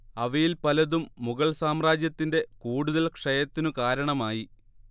അവയിൽ പലതും മുഗൾ സാമ്രാജ്യത്തിന്റെ കൂടുതൽ ക്ഷയത്തിനു കാരണമായി